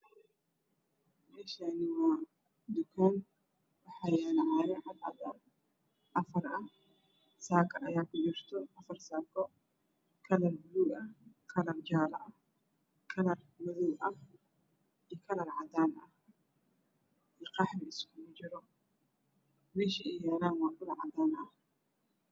Meeshaan waa tukaan waxaa yaalo caagag cadcad ah afar ah saako ayaa kujirto afar ah. Kalar buluug ah, kalar jaalo ah, kalar madow ah iyo kalar cadaan ah iyo qaxwi isku jira. Meeshana waa cadaan.